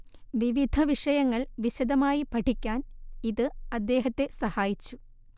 വിവിധ വിഷയങ്ങൾ വിശദമായി പഠിക്കാൻ ഇത് അദ്ദേഹത്തെ സഹായിച്ചു